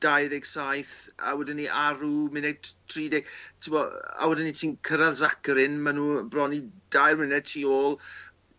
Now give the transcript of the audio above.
dau ddeg saeth a wedyn 'ny Aru munud tri de- t'bo' a wedyn 'y ti'n cyrradd Zakarin ma' n'w bro i dair munud tu ôl.